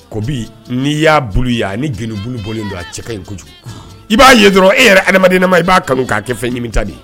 Kobi, n'i y'a bulu ye ani geni bulu bɔlen don, a cɛ kaɲi kojugu. i b'a ye dɔrɔn, i. yɛrɛ adamaden na ma i b'a kanu kɛ fɛn ɲimi ta de ye.